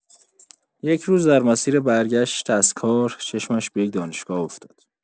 یک روز، در مسیر برگشت از کار، چشمش به یک دانشگاه افتاد.